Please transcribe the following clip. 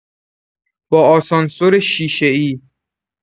با آسانسور شیشه‌ای